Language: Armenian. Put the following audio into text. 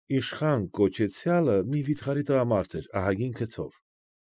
Իշխան կոչեցյալը մի վիթխարի տղամարդ էր ահագին քթով։